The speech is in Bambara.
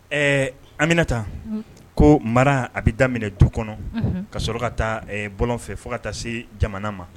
Ɛɛ Aminata hun ko maraa a be daminɛ du kɔnɔ unhun ka sɔrɔ ka taa ɛɛ bɔlɔn fɛ fo ka taa se jamana ma